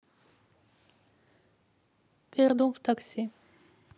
пердун в такси